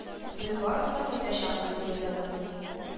Без барыбыз да кайтачакбыз диде задонов